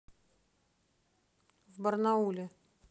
в барнауле